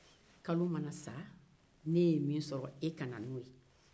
kalo mana sa n'e ye min sɔrɔ e ka na n'o ye